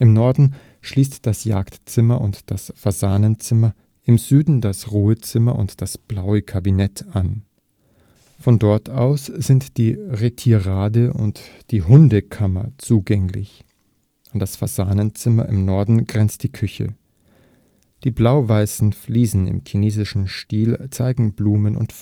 Norden schließen das Jagdzimmer und das Fasanenzimmer, im Süden das Ruhezimmer und das Blaue Kabinett an; von dort aus sind die Retirade und die Hundekammer zugänglich. An das Fasanenzimmer im Norden grenzt die Küche. Die blau-weißen Fliesen im chinesischen Stil zeigen Blumen und